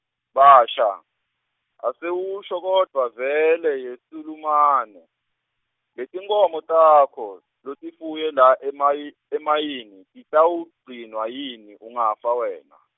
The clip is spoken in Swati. Bhasha, Asewusho kodvwa vele yeSulumane, letinkhomo takho, lotifuye la emayi- emayini, tiyawugcinwa yini ungafa wena?